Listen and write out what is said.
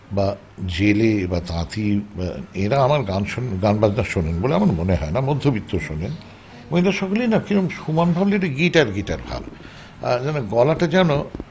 বা জেলে বা তাতি এরা আমার গান শোনেন গান বাজনা শোনেন বলে আমার মনে হয় না মধ্যবিত্ত শোনেন এবং এদের সকলেই না সুমন ভাবলে কিরম একটা গিটার গিটার ভাব গলাটা যেন